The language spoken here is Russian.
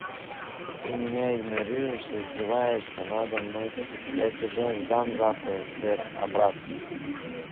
ты меня игноришь издеваешься надо мной я тебя сдам завтра сбера обратно